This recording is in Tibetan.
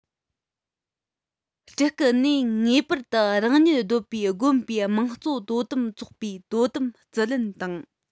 སྤྲུལ སྐུ ནས ངེས པར དུ རང ཉིད སྡོད པའི དགོན པའི དམངས གཙོ དོ དམ ཚོགས པའི དོ དམ བརྩི ལེན དང